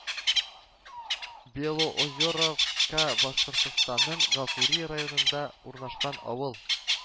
Белоозеровка Башкортстанның Гафури районында урнашкан авыл